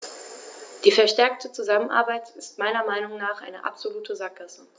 Die verstärkte Zusammenarbeit ist meiner Meinung nach eine absolute Sackgasse.